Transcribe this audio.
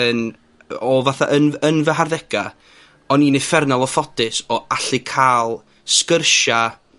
yn, o fatha, yn yn fy harddega, o'n i'n uffernol o ffodus o allu ca'l sgyrsia